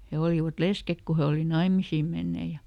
he olivat lesket kun he oli naimisiin menneet ja